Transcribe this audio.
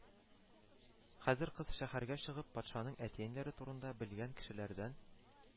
Хәзер кыз, шәһәргә чыгып, патшаның әти-әниләре турында белгән кешеләрдән